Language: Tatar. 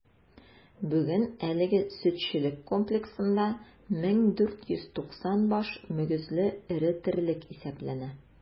Бүген әлеге сөтчелек комплексында 1490 баш мөгезле эре терлек исәпләнә.